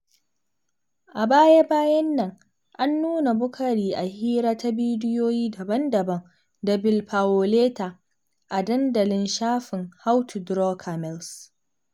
A baya--bayan nan, an nuna Boukary a hira ta bidiyoyi daban-daban da Phil Paoletta a dandalin shafin 'How to Draw Camels'.